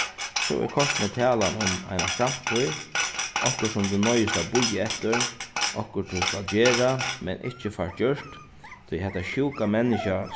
so er kortini talan um eina framtíð okkurt sum tú noyðist at bíða eftir okkurt tú skalt gera men ikki fært gjørt tí hetta sjúka menniskjað